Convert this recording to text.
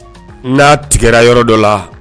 N'a tigara yɔrɔ dɔ la